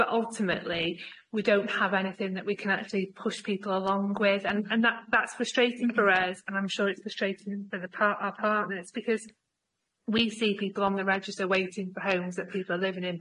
but ultimately we don't have anything that we can actually push people along with and and that that's frustrating for us and I'm sure it's frustrating for the par- our partners because we see people on the register waiting for homes that people are living in,